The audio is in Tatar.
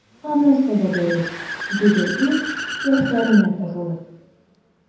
Анысы да дөрес,— диде ир, яшьләренә тыгылып.